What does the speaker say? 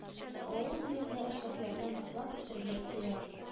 Авыл җирендә эшмәкәрлекне тыңлап үстерергә кирәк